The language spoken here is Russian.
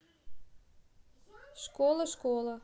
школа школа